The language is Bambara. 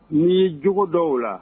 N' y' jugu dɔ o la